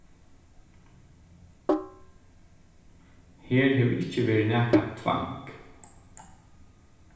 her hevur ikki verið nakað tvang